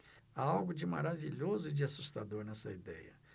há algo de maravilhoso e de assustador nessa idéia